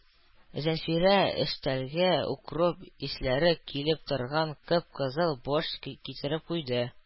Зәнфирә өстәлгә укроп исләре килеп торган кып-кызыл борщ китереп куйды.